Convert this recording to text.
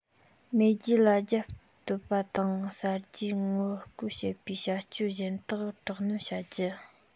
མེས རྒྱལ ལ རྒྱབ གཏོད པ དང གསར བརྗེར ངོ རྒོལ བྱེད པའི བྱ སྤྱོད གཞན དག དྲག གནོན བྱ རྒྱུ